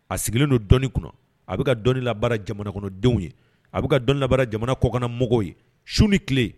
A sigilen don dɔnni kunna, a bɛ ka dɔnni labara jamanakɔnɔdenw ye, a bɛ ka dɔnni labara jamana kɔkannamɔgɔw ye, su ni tile